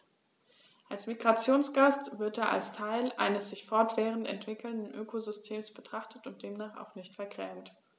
Als Migrationsgast wird er als Teil eines sich fortwährend entwickelnden Ökosystems betrachtet und demnach auch nicht vergrämt.